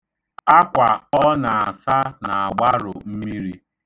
Akwa ọ na-asa na-agbarụ mmiri a.